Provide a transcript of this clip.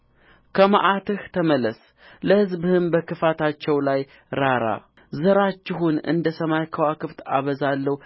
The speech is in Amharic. ከመዓትህ ተመለስ ለሕዝብህም በክፋታቸው ላይ ራራ ዘራችሁን እንደ ሰማይ ከዋክብት አበዛለሁ